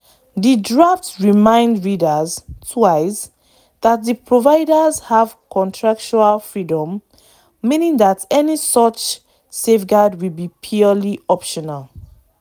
The draft reminds readers – twice – that the providers have “contractual freedom”, meaning that any such safeguards will be purely optional.